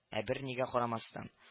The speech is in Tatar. Ә бернигә карамастан